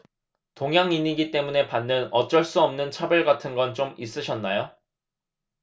동양인이기 때문에 받는 어쩔 수 없는 차별 같은 건 좀 있으셨나요